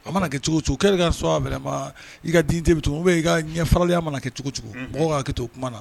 A mana kɛcogocogo kɛ ka s aba i ka dte bɛ to o bɛ'i ka ɲɛ faraliya mana kɛcogocogo mɔgɔ'a kɛ to o kuma na